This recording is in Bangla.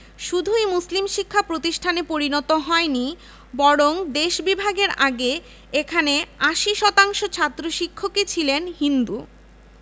অধিভুক্ত কলেজসমূহ জাতীয় বিশ্ববিদ্যালয়ের অধীনে ন্যস্ত করা হয় তবে বর্তমানে ঢাকা বিশ্ববিদ্যালয়ের অধীনে ৭৪টি অঙ্গীভুত কন্সটিটিউয়েন্ট